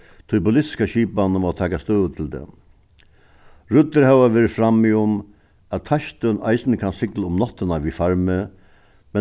tí politiska skipanin má taka støðu til tað røddir hava verið frammi um at teistin eisini kann sigla um náttina við farmi